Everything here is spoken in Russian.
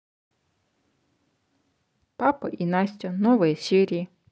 папа и настя новые серии